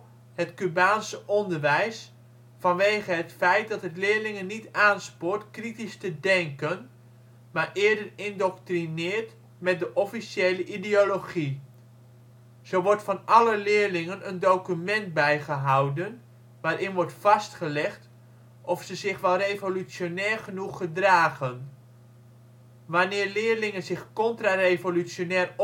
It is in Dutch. Cubaanse onderwijs vanwege het feit dat het leerlingen niet aanspoort kritisch te denken, maar eerder indoctrineert met de officiële ideologie. Zo wordt van alle leerlingen een document bijgehouden waarin wordt vastgelegd of ze zich wel ' revolutionair ' genoeg gedragen. Wanneer leerlingen zich ' contra-revolutionair